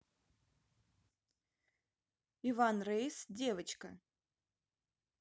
иван рейс девочка